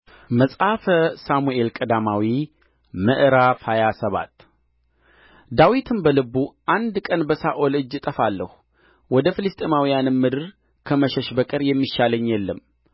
መጽሐፈ ሳሙኤል ቀዳማዊ ምዕራፍ ሃያ ሰባት ዳዊትም በልቡ አንድ ቀን በሳኦል እጅ እጠፋለሁ ወደ ፍልስጥኤማውያንም ምድር ከመሸሽ በቀር የሚሻለኝ የለም